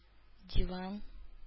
Диван